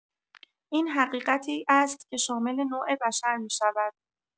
این حقیقتی است که شامل نوع بشر می‌شود.